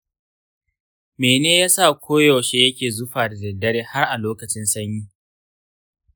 mene yasa koyaushe yake zufa da daddare har a lokacin sanyi?